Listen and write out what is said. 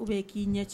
O de ye k'i ɲɛ ci